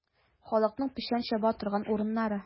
Халыкның печән чаба торган урыннары.